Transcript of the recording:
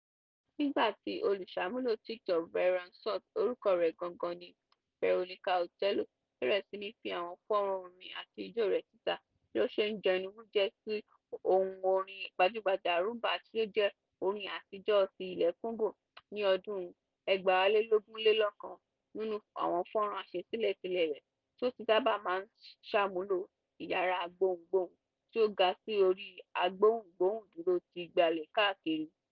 Nígbà tí olùṣàmúlò Tiktok @Veroansalt (orúkọ rẹ̀ gangan ni Veronica Otieno) bẹ̀rẹ̀ sí ní fi àwọn fọ́nràn orin àti ijó rẹ̀ síta bí ó ṣe ń jẹnu wújẹ́ sí ohùn orin gbajúgbajà Rhumba tí ó jẹ́ orín àtijọ́ ti ilẹ̀ Congo ní ọdún 2021, nínú àwọn fọ́nràn àṣelátilé rẹ̀ tí ó ti sábà máa ń sàmúlò ìyàrí (gbohùngbohùn) tí ó gà sí orí agbégbohùngbohùndúró ti gbalẹ̀ káàkiri.